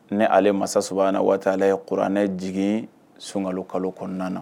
Ni ale masa subahana wataala ye kuranɛ jigin suŋalo kalo kɔɔna na